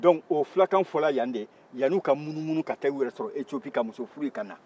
dɔnku o fulakan fɔra yan de yann'u ka munun-munun ka taa u yɛrɛ sɔrɔ ecopi ka muso furu yen ka na